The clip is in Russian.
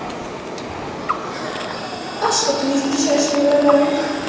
а что ты не включаешь мне вороваек